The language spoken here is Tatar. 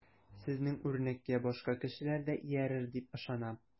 Сезнең үрнәккә башка кешеләр дә иярер дип ышанам.